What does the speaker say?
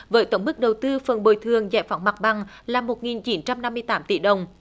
với tổng mức đầu tư phần bồi thường giải phóng mặt bằng là một nghìn chín trăm năm mươi tám tỷ đồng